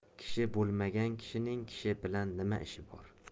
kishi bo'lmagan kishining kishi bilan nima ishi bor